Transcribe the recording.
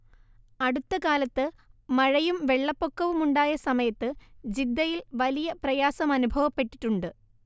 അടുത്ത കാലത്ത് മഴയും വെള്ളപ്പൊക്കവുമുണ്ടായ സമയത്ത് ജിദ്ദയിൽ വലിയ പ്രയാസമനുഭവപ്പെട്ടിട്ടുണ്ട്